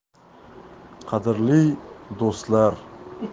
qadrli do'stlar